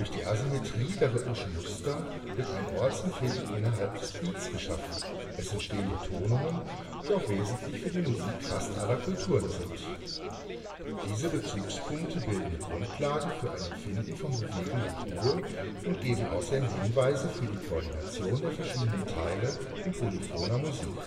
die Asymmetrie der rhythmischen Muster wird ein Ortsempfinden innerhalb des Beats geschaffen, es entstehen Betonungen, die auch wesentlich für die Musik fast aller Kulturen sind. Diese Bezugspunkte bilden die Grundlage für ein Empfinden von Bewegung und Ruhe und geben außerdem Hinweise für die Koordination der verschiedenen Teile in polyphoner Musik